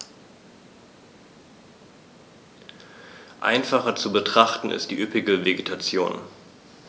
Einfacher zu betrachten ist die üppige Vegetation.